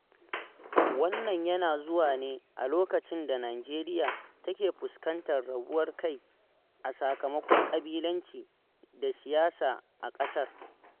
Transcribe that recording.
Wannan yana zuwa ne a lokacin da Nijeriya take fuskantar rabuwar kai a sakamakon ƙabilanci da siyasa a ƙasar.